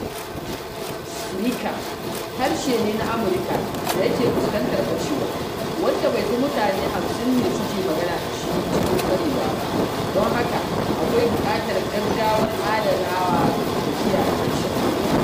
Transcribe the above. Seneca harshe ne na Amurka da yake fuskantar ɓacewa, wanda bai fi mutane 50 ne suke magana da shi cikin ƙwarewa ba, don haka akwai buƙatar gaggawar adanawa da kiyaye harshen.